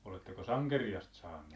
olettekos ankeriasta saanut